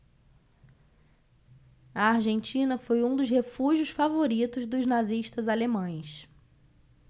a argentina foi um dos refúgios favoritos dos nazistas alemães